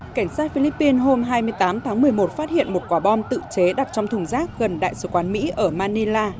cảnh sát phi líp pin hôm hai mươi tám tháng mười một phát hiện một quả bom tự chế đặt trong thùng rác gần đại sứ quán mỹ ở ma ni la